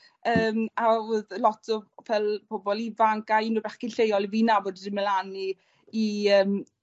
Yym a odd lot o ffel pobol ifanc a un o'r bechgyn lleol 'yf fi'n nabod wedi myn' lan i i yym